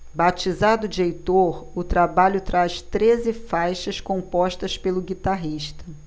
batizado de heitor o trabalho traz treze faixas compostas pelo guitarrista